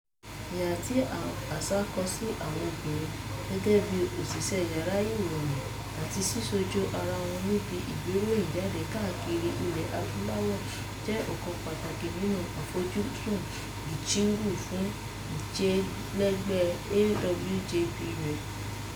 Ìhà tí àṣà kọ sí àwọn obìnrin - gẹ́gẹ́ bíi òṣìṣẹ́ yàrá ìròyìn, àti sísojú ara wọn níbi ìgbéròyìnjáde káàkiri ilẹ̀ Adúláwò - jẹ́ ọ̀kan pàtàkì nínú àfojúsùn Gicheru fún ìjẹ́lẹgbẹ́ AWJP rẹ̀.